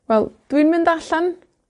Wel, dwi'n mynd allan